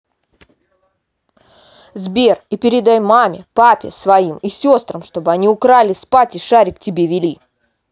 сбер и передай маме папе своим и сестрам чтобы они украли спать и шарик тебе вели